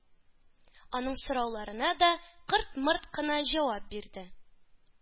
Аның сорауларына да кырт-мырт кына җавап бирде.